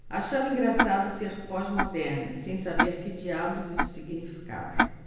achava engraçado ser pós-moderna sem saber que diabos isso significava